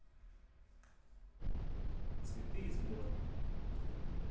цветы из мыла